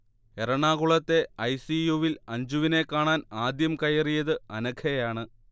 എറണാകുളത്തെ I. C. U വിൽ അഞ്ജുവിനെ കാണാൻ ആദ്യം കയറിയത് അനഘയാണ്